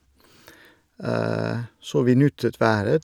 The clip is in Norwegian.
Så vi nytet været.